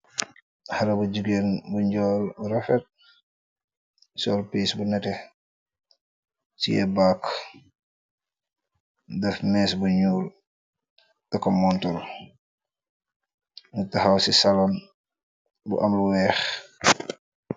xara bu jigeen bu njool rafet solpic bu nate ciye bakk daf nees bu ñuul tekomontol nu taxaw ci salon bu amlu weex